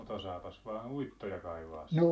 mutta osaapas vain uittoja kaivaa